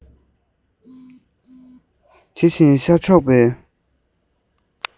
དེ བཞིན ཤར ཕྱོགས པའི